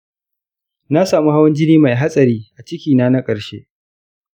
na samu hawan jini mai hadari a ciki na na ƙarshe.